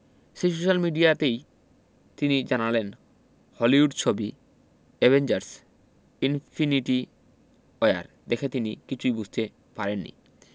সেই সোশ্যাল মিডিয়াতেই তিনি জানালেন হলিউড ছবি অ্যাভেঞ্জার্স ইনফিনিটি ওয়ার দেখে তিনি কিছুই বুঝতে পারেননি